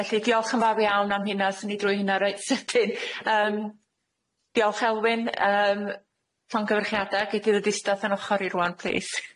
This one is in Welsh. Felly diolch yn fawr iawn am hynna 'swn i drwy hynna reit sydyn yym, diolch Elwyn yym llongyfarchiadau gei di ddod ista at 'yn ochor i rŵan plîs.